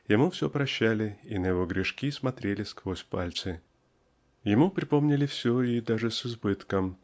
ему все прощали и на его "грешки" смотрели сквозь пальцы. Ему припомнили все и даже с избытком